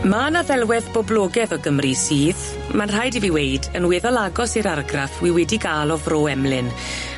Ma' 'na ddelwedd boblogedd o Gymru sydd, ma'n rhaid i fi weud, yn weddol agos i'r argraff wi wedi ga'l o Fro Emlyn